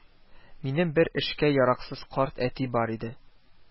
Минем бер эшкә яраксыз карт әти бар иде